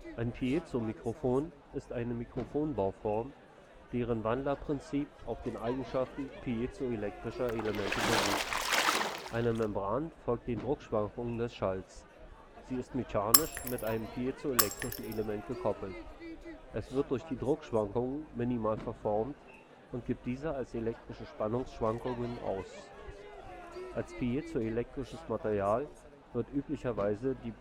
Ein Piezomikrofon ist eine Mikrofonbauform, deren Wandlerprinzip auf den Eigenschaften piezoelektrischer Elemente beruht. Eine Membran folgt den Druckschwankungen des Schalls. Sie ist mechanisch mit einem piezoelektrischen Element gekoppelt. Es wird durch die Druckschwankungen minimal verformt und gibt diese als elektrische Spannungsschwankungen aus. Als piezoelektrisches Material wird üblicherweise die